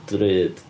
Drud.